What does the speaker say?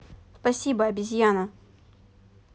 спасибо обезьяна